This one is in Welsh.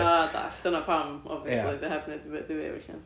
a dallt dyna pam obviously dio heb neud dim byd i fi felly